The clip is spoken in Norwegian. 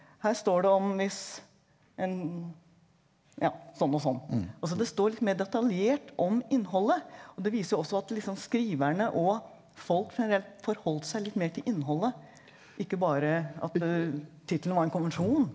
her står det om hvis en ja sånn og sånn, altså det står litt mer detaljert om innholdet og det viser jo også at liksom skriverne og folk generelt forholdt seg litt mer til innholdet, ikke bare at tittelen var en konvensjon.